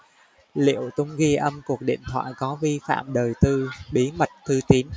liệu tung ghi âm cuộc điện thoại có vi phạm đời tư bí mật thư tín